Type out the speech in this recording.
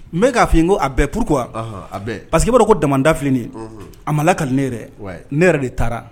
N bɛ k'a f'i ye n ko a bɛɛ pourquoi ɔnhɔn a bɛɛ parceque i b'a dɔn ko damanda filɛ nin ye unhun a ma la kali ne ye dɛ ne yɛrɛ de taara